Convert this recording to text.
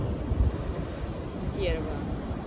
стерва